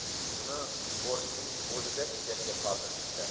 uni portning o'zida ishlashga qoldirishibdi